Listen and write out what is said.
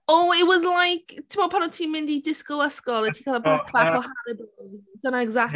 O it was like timod pan o't ti'n mynd i disco ysgol a ti'n cael y... o yy ... bag bach o Haribos dyna exact-...